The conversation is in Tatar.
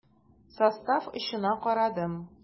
Состав очына карадым.